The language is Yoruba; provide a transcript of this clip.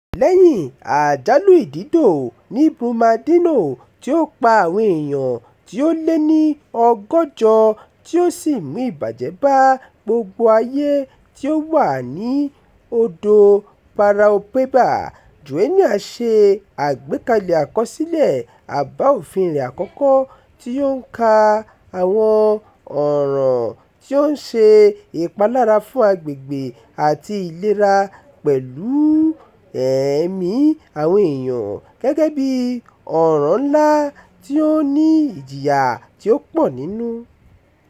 Lẹ́yìn àjálù ìdídò ní Brumadinho, tí ó pa àwọn èèyàn tí ó lé ní 160, tí ó sì mú ìbàjẹ́ bá gbogbo ayé tí ó wà ní odò Paraopeba, Joenia ṣe àgbékalẹ̀ àkọsílẹ̀ àbá òfin rẹ̀ àkọ́kọ́, tí ó ń ka àwọn ọ̀ràn tí ó ń ṣe ìpalára fún agbègbè àti ìlera pẹ̀lú ẹ̀mí àwọn èèyàn gẹ́gẹ́ bí "ọ̀ràn ńlá" tí ó ní ìjìyà tí ó pọ̀ nínú.